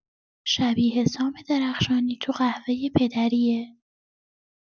شبیه سام درخشانی تو قهوۀ پدریه!